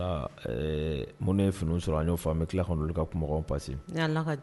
A ɛɛ munnu ye finiw sɔrɔ an y'o fɔ an tila ka na olu ka kumakan passer